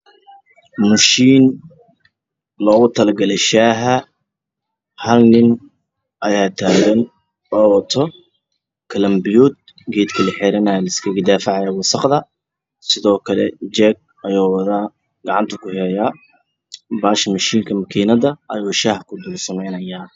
Waa mashiin lugu talagalay shaax, nin waxuu wataa marada wasaqda la iskaga ilaalinayay, jeeg ayuu wataa, mkiinada ayuu shaax kusameynaa.